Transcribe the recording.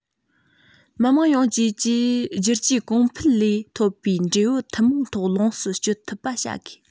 མི དམངས ཡོངས ཀྱིས བསྒྱུར བཅོས གོང འཕེལ ལས ཐོབ པའི འབྲས བུ ཐུན མོང ཐོག ལོངས སུ སྤྱོད ཐུབ པ བྱ དགོས